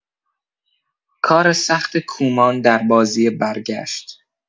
کار سخت کومان در بازی برگشت